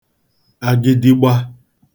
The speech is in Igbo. agidigba